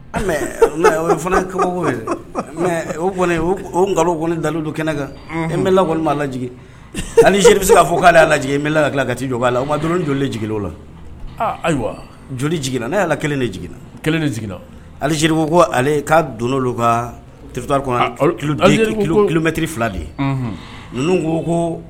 Fana kabako o ŋ nkalon ŋ dalu don kɛnɛ kan e bɛ lakolon b'a laj ali jiri bɛ se kaa fɔ k'ale ala laj n bɛ la ka ka taa jɔ' a la o ma donlenj o la ayiwa joli jigininana ne ala kelen de jiginina kelen jiginla aliri ko ko ale kaa don ka teri kɔnɔ ki kilomɛtiriri fila de ye ninnu ko ko